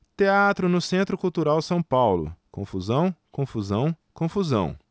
teatro no centro cultural são paulo confusão confusão confusão